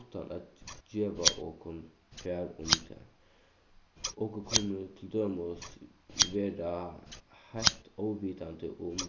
uttan at geva okum far um tað okur kunnu til dømis vera heilt óvitandi um